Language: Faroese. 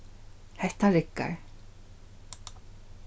hetta riggar